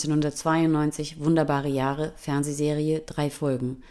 1992: Wunderbare Jahre (Fernsehserie, 3 Folgen